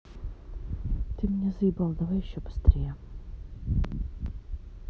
ты меня заебал давай ищи быстрее